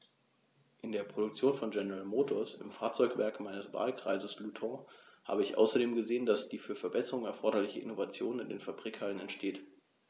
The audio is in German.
In der Produktion von General Motors, im Fahrzeugwerk meines Wahlkreises Luton, habe ich außerdem gesehen, dass die für Verbesserungen erforderliche Innovation in den Fabrikhallen entsteht.